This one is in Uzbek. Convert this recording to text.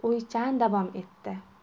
o'ychan davom etdi